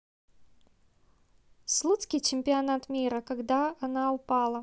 слуцкий чемпионат мира когда она упала